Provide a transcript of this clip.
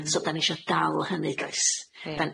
So 'dan ni isio dal hynny does? Ie.